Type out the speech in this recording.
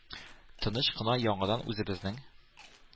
Тыныч кына яңадан үзебезнең